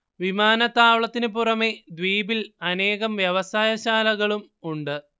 വിമാനത്താവളത്തിനു പുറമേ ദ്വീപിൽ അനേകം വ്യവസായശാലകളും ഉണ്ട്